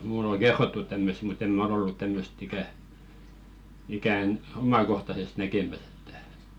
minulle on kerrottu tämmöistä mutta en minä ole ollut tämmöistä ikänä ikänä omakohtaisesti näkemässä että